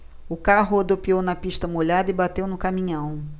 o carro rodopiou na pista molhada e bateu no caminhão